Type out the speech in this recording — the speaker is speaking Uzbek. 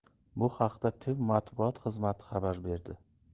bu haqda tiv matbuot xizmati xabar berdi